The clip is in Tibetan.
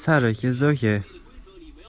སྨ ར ཅན ཞིག ཀྱང ཐོན བྱུང